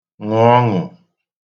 ṅụ̀ ọṅụ̀